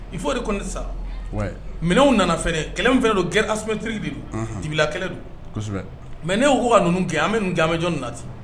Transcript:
Il faut reconnaître ça, ouais minɛw nana fɛnɛ, kɛlɛ min fɛnɛ don guerre asymétrique de don, unhun, dibila kɛlɛ de don, kosɛbɛ, mais ne ko ko ka ninnu gɛn an bɛ ninnu gɛn an bɛ jɔni naati ?